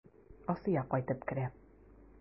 Асия кайтып керә.